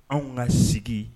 Anw ka sigi